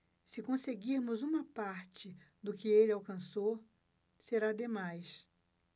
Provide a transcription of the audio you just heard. se conseguirmos uma parte do que ele alcançou será demais